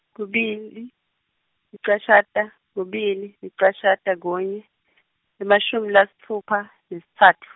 kubili, lichashata, kubili lichashata kunye , emashumi lasitfupha, nakutsatfu.